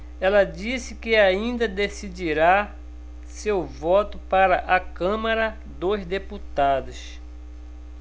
ela disse que ainda decidirá seu voto para a câmara dos deputados